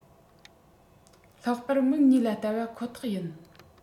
ལྷག པར མིག གཉིས ལ བལྟ བ ཁོ ཐག ཡིན